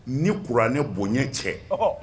Ni kuranɛ bonɲɛ tɛ